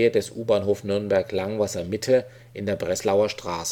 des U-Bahnhof Langwasser Mitte in der Breslauer Straße